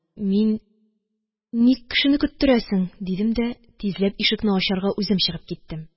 Мин: – Ник кешене көттерәсең? – дидем дә, тизләп, ишекне ачарга үзем чыгып киттем.